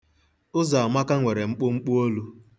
Ụzọamaka nwere mkpụmkpụ olu.